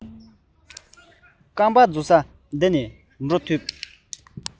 རྐང པ འཛུགས ས འདི ནས འགྲོ ཐུབ པ དང